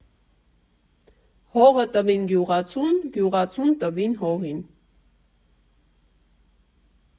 «Հողը տվին գյուղացուն, գյուղացուն տվին հողին»։